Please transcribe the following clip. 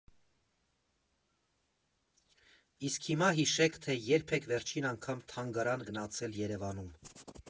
Իսկ հիմա հիշեք, թե երբ եք վերջին անգամ թանգարան գնացել Երևանում։